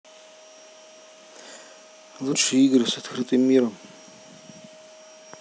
лучшие игры с открытым миром